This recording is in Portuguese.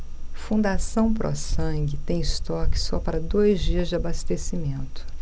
fundação pró sangue tem estoque só para dois dias de abastecimento